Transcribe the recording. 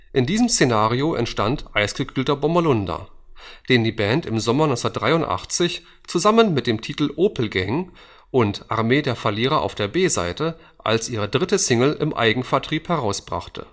In diesem Szenario entstand Eisgekühlter Bommerlunder, den die Band im Sommer 1983, zusammen mit dem Titel Opel-Gang und Armee der Verlierer auf der B-Seite, als ihre dritte Single im Eigenvertrieb herausbrachte